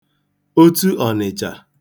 Otu Ọ̀nịchà